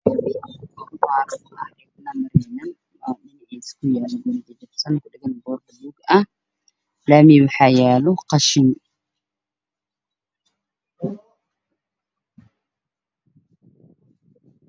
Waa meel laami ah waxaa ii muuqday dardii boor buluu ku dhagan yahay iyo xeeb biyo bad yaal ku jiraan